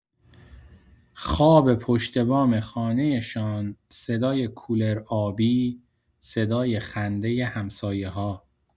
خواب پشت‌بام خانه‌شان، صدای کولر آبی، صدای خندۀ همسایه‌ها.